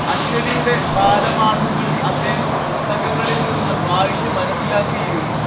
അച്ചടിയുടെ ബാലപാഠങ്ങൾ അദ്ദേഹം പുസ്തകങ്ങളിൽ നിന്ന് വായിച്ച്‌ മനസ്സിലാക്കിയിരുന്നു